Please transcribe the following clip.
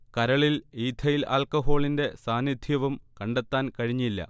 കരളിൽ ഈഥെയ്ൽ ആൽക്കഹോളിന്റെ സാന്നിധ്യവും കണ്ടെത്താൻ കഴിഞ്ഞില്ല